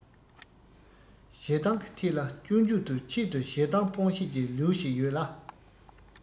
ཞེ སྡང གི ཐད ལ སྤྱོད འཇུག ཏུ ཆེད དུ ཞེ སྡང སྤོང བྱེད ཀྱི ལེའུ ཞིག ཡོད ལ